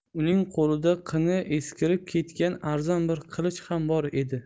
uning qo'lida qini eskirib ketgan arzon bir qilich ham bor edi